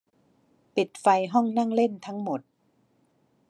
ปิดไฟห้องนั่งเล่นทั้งหมด